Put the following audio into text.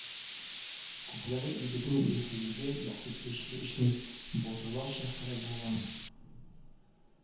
Күпләре илебезнең бәйсезлеге, якты киләчәге өчен батырларча һәлак булган